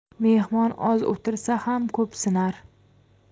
mehmon oz o'tirsa ham ko'p sinar